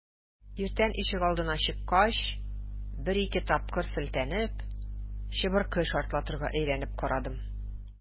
Иртән ишегалдына чыккач, бер-ике тапкыр селтәнеп, чыбыркы шартлатырга өйрәнеп карадым.